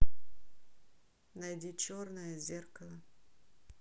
найди черное зеркало